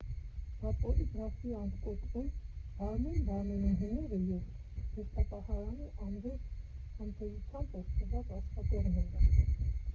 Բա Պոլիգրաֆի անկոտրում բարմեն֊բարմենուհիները և զգեստապահարանի անվերջ համբերությամբ օժտված աշխատողները։